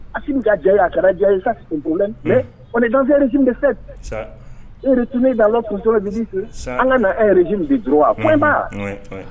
Aki ka diya a kɛra jari bɛ fɛ eri tun bɛ dasɔ an ka na e rz duuru a ko